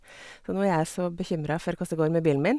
Så nå er jeg så bekymra for koss det går med bilen min.